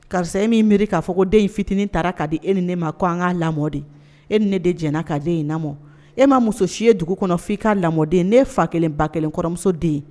Karisa e min miiri k'a fɔ ko den in fitinin taara k' di e ni ne ma ko an ka lamɔden e ni ne de jna k'a den in lamɔ e m ma muso si dugu kɔnɔ f' i ka la lamɔden ne fa kelen ba kelen kɔrɔmuso den ye